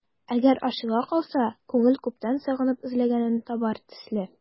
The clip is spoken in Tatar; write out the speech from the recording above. Әгәр ачыла калса, күңел күптән сагынып эзләгәнен табар төсле...